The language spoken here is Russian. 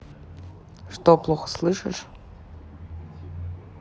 что плохо слышишь